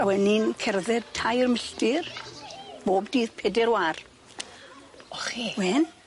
A wen ni'n cerdded tair milltir bob dydd peder 'wa'r. O' chi? Wen.